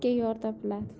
yigitga yor topiladi